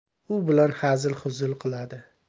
u bilan hazil huzul qiladi